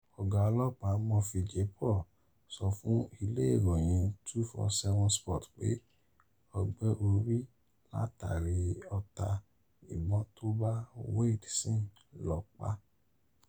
Ọ̀gá ọlọ́pàá, Murphy J. Paul sọ fún ilé-ìròyìn 247sports pe “Ọgbẹ́ orí látàrí ọta ìbọn tó ba Wayde Sims ló pa á.”